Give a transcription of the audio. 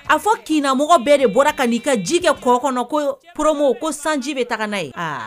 A fɔ k' mɔgɔ bɛɛ de bɔra ka n'i ka ji kɛ kɔɔ kɔnɔ ko poromo ko sanji bɛ taa n'a ye